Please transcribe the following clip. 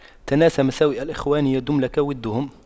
تناس مساوئ الإخوان يدم لك وُدُّهُمْ